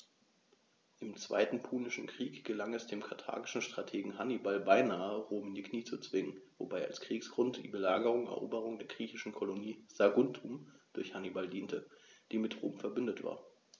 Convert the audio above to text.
Im Zweiten Punischen Krieg gelang es dem karthagischen Strategen Hannibal beinahe, Rom in die Knie zu zwingen, wobei als Kriegsgrund die Belagerung und Eroberung der griechischen Kolonie Saguntum durch Hannibal diente, die mit Rom „verbündet“ war.